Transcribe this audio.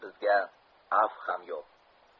bizga afv ham yo'q